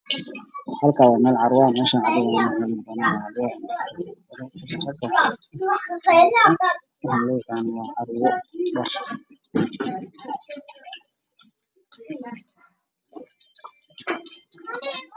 Halkan waa meel carwo ah oo lagu iibiyo dhar waa loo yaqanaa carwo